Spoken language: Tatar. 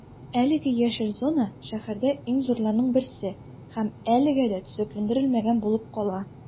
Әлеге яшел зона шәһәрдә иң зурларының берсе һәм әлегә дә төзекләндерелмәгән булып кала.